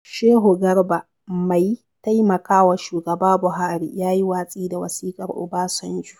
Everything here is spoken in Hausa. Shehu Garba, mai taimakawa shugaba Buhari, ya yi watsi da wasiƙar Obasanjo: